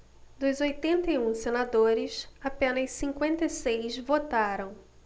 dos oitenta e um senadores apenas cinquenta e seis votaram